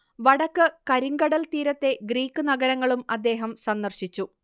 വടക്ക് കരിങ്കടൽ തീരത്തെ ഗ്രീക്ക് നഗരങ്ങളും അദ്ദേഹം സന്ദർശിച്ചു